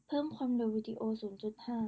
เพิ่มความเร็ววีดีโอศูนย์จุดห้า